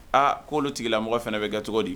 Aa k ko' olu tigila mɔgɔ fana bɛ kɛ cogo di